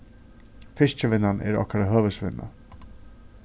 fiskivinnan er okkara høvuðsvinna